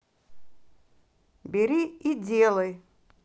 бери и делай